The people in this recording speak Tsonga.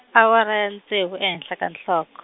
awara ya ntsevu ehenhla ka nhlok- .